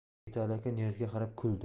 yigitali aka niyozga qarab kuldi